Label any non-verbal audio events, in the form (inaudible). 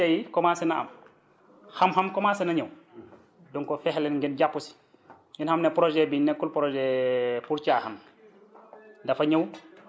donc possibilité yi commencé na am xam-xam commencé na ñëw donc fexe leen ngeen jàpp si ngeen xam ne projet bi nekkul projet (hesitation) pour caaxaan